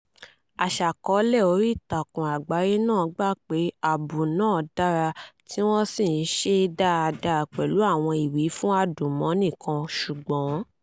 Aṣàkọọ́lẹ̀ oríìtakùn àgbáyé náà gbà pé àbọ̀ náà dára tí wọ́n sì ṣe é dáadáa pẹ̀lú àwọn ìwífún adùnmọ́ni kan, ṣùgbọ́n...